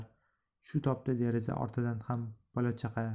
shu topda deraza ortida ham bola chaqa